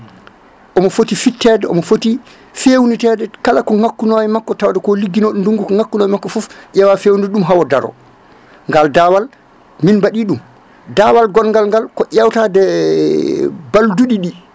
omo foti fittede omo foti fewnitede kala ko ngakkuno e makko tawde ko ligguinoɗo ndungu ko ngakkuno e makko foof ƴeewa fewnude ɗum hawo daaro ngal daawal min mbaɗi ɗum daawal gongal ngal ko ƴewtade balduɗiɗi